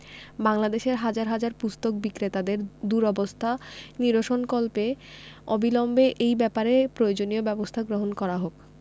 বাংলাদেশের হাজার হাজার পুস্তক বিক্রেতাদের দুরবস্থা নিরসনকল্পে অবিলম্বে এই ব্যাপারে প্রয়োজনীয় ব্যাবস্থা গ্রহণ করা হোক